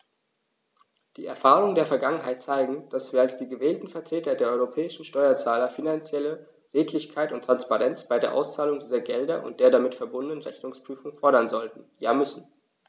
Die Erfahrungen der Vergangenheit zeigen, dass wir als die gewählten Vertreter der europäischen Steuerzahler finanzielle Redlichkeit und Transparenz bei der Auszahlung dieser Gelder und der damit verbundenen Rechnungsprüfung fordern sollten, ja müssen.